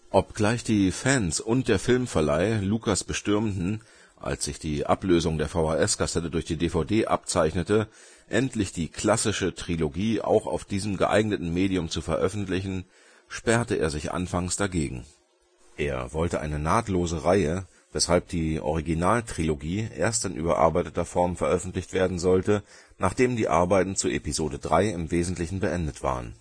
Obgleich die Fans und der Filmverleih Lucas bestürmten, als sich die Ablösung der VHS-Kassette durch die DVD abzeichnete, endlich die klassische Trilogie auch auf diesem geeigneten Medium zu veröffentlichen, sperrte er sich anfangs dagegen. Er wollte eine nahtlose Reihe, weshalb die Originaltrilogie erst in überarbeiteter Form veröffentlicht werden sollte, nachdem die Arbeiten zu Episode III im Wesentlichen beendet waren